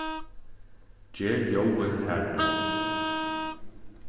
ger ljóðið harðari